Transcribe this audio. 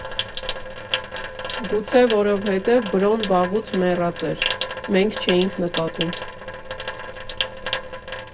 Գուցե որովհետև Բրոն վաղուց մեռած էր, մենք չէինք նկատում։